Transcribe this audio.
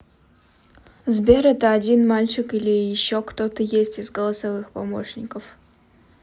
сбер это один мальчик или еще кто то есть из голосовых помощников